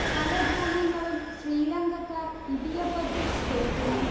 പല ധാന്യങ്ങളും ശ്രീലങ്കക്കാർ ഇടിയപ്പത്തിൽ ചേർക്കുന്നു